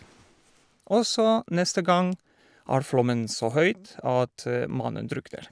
Og så, neste gang er flommen så høyt at mannen drukner.